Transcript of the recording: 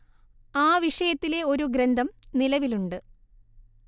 ആ വിഷയത്തിലെ ഒരു ഗ്രന്ഥം നിലവിലുണ്ട്